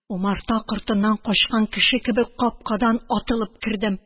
Умарта кортыннан качкан кеше кебек, капкадан атылып кердем.